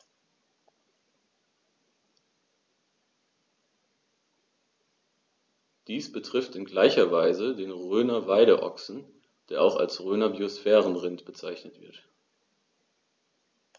Dies betrifft in gleicher Weise den Rhöner Weideochsen, der auch als Rhöner Biosphärenrind bezeichnet wird.